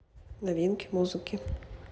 новинки музыки